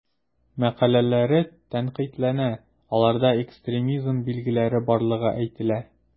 Мәкаләләре тәнкыйтьләнә, аларда экстремизм билгеләре барлыгы әйтелә.